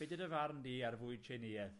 Be' 'di dy farn di ar fwyd tsieinïedd?